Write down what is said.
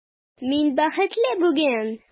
Мин бәхетле бүген!